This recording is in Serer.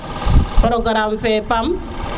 programme fe Pam